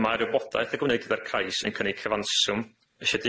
Yy ma'r wybodaeth yn gwenud gyda'r cais yn cynnig cyfanswm ychydig